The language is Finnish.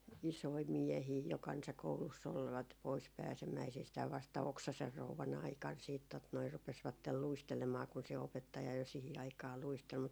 isoja miehiä jo kansakoulussa olivat pois pääsemäisistään vasta Oksasen rouvan aikana sitten tuota noin rupesivat luistelemaan kun se opettaja jo siihen aikaan luisteli mutta